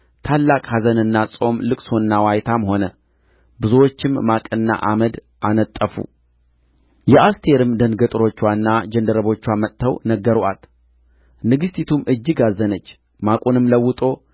ታላቅ ኀዘንና ጾም ልቅሶና ዋይታም ሆነ ብዙዎችም ማቅና አመድ አነጠፉ የአስቴርም ደንገጥሮችዋና ጃንደረቦችዋ መጥተው ነገሩአት ንግሥቲቱም እጅግ አዘነች ማቁንም ለውጦ